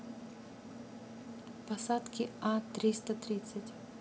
посадки а триста тридцать